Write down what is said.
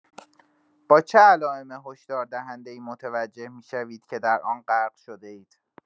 با چه علائم هشداردهنده‌ای متوجه می‌شوید که در آن غرق شده‌اید؟